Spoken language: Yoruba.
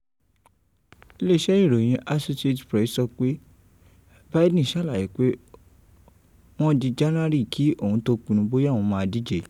Ilé iṣẹ́ ìròyìn Associated Press sọ pé Biden ṣàlàyé pé wọ́n di January kí òun tó pinnu bóyá òun máa díje.